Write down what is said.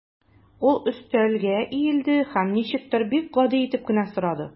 Ул өстәлгә иелде һәм ничектер бик гади итеп кенә сорады.